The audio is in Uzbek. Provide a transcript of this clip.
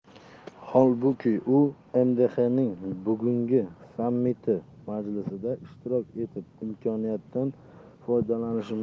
holbuki u mdhning bugungi sammiti majlisida ishtirok etib imkoniyatdan foydalanishi mumkin edi